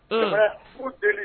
Ɛɛ fu deli